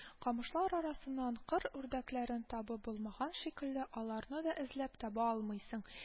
Камышлар арасыннан кыр үрдәкләрен табып булмаган шикелле, аларны да эзләп таба алмыйсың